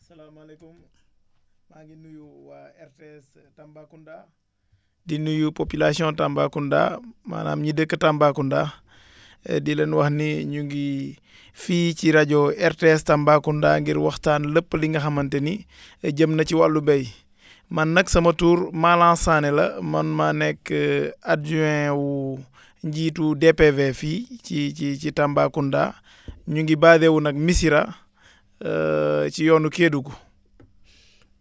salaamaaleykum maa ngi nuyu waa RTS Tambacounda di nuyu population Tambacounda maanaam ñi dëkk Tambacounda di leen wax ni ñu ngi fii ci rajo RTS Tambacounda ngir waxtaan lépp li nga xamante ni jëm na ci wàllu béy man nag sama tur Malang Sané la man maa nekk adjoint wu njiitu DPV fii ci ci ci Tambacounda ñu ngi basé wu nag Missirah ci yoonu Kédougou